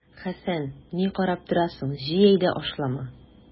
Хәсән, ни карап торасың, җый әйдә ашлама!